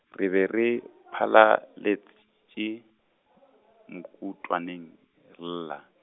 re be re, phalalet- -tše, mokutwaneng lla.